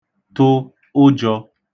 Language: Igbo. tụ ụjọ̄